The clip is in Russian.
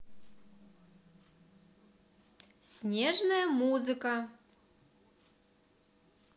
снежная музыка